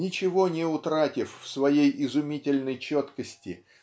ничего не утратив в своей изумительной четкости